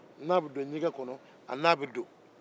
n'a bɛ don ɲɛgɛn kɔnɔ a n'a bɛ don